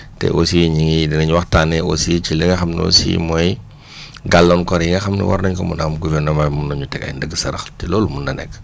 te aussi ñu ngi danañ waxtaanee aussi ci li nga xam ne aussi mooy gàllankoor yi nga xam ne war nañ ko mun a am gouvernement moom la ñu teg ay ndëgg sërëx te loolu mun na nekk